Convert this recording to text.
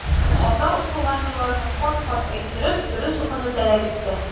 Хата укылган юлларны кат-кат әйттереп, дөрес укуны таләп итте.